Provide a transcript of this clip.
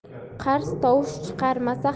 qarz tovush chiqarmasa